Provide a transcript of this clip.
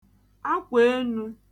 akwà enū